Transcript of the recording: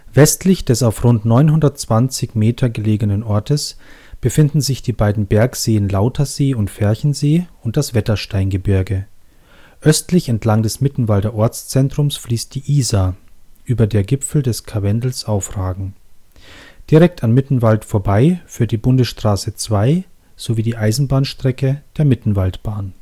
Westlich des auf rund 920 m ü.NN gelegenen Ortes befinden sich die beiden Bergseen Lautersee und Ferchensee und das Wettersteingebirge. Östlich entlang des Mittenwalder Ortszentrums fließt die Isar, über der Gipfel des Karwendels aufragen. Direkt an Mittenwald vorbei führt die Bundesstraße 2 sowie die Eisenbahnstrecke der Mittenwaldbahn